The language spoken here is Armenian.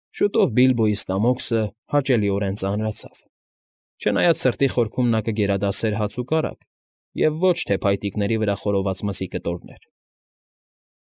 Շուտով Բիլբոյի ստամոքսը հաճելիորեն ծանրացավ, չնայած սրտի խորքում նա կգերադասեր հաց ու կարագ և ոչ թե փայտիկների վրա խորոված մսի կտորներ։